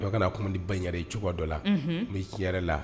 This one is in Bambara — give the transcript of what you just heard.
U bɛ ka kuma di bayre cogo dɔ la mɛ yɛrɛ la